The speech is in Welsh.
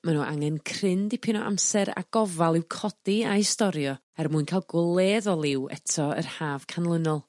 ma' n'w angen cryn dipyn o amser a gofal i'w codi a'i storio er mwyn ca'l gwledd o liw eto yr Haf canlynol.